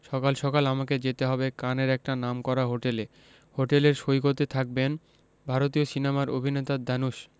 সকাল সকাল আমাকে যেতে হবে কানের একটা নামকরা হোটেলে হোটেলের সৈকতে থাকবেন ভারতীয় সিনেমার অভিনেতা ধানুশ